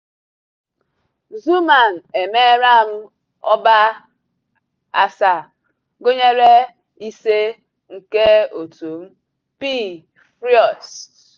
Xuman emere m ọba asaa, gụnyere ise nke otu m, Pee Froiss.